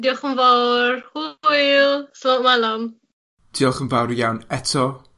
Diolch yn fawr. Hwyl. Solalam. Diolch yn fawr iawn eto